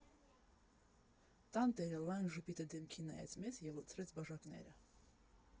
Տան տերը լայն ժպիտը դեմքին նայեց մեզ և լցրեց բաժակները։